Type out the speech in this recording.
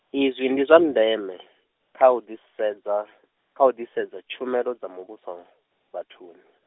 izwi ndi zwa ndeme, kha u ḓisedza, kha u ḓisedza tshumelo dza muvhuso, vhathuni.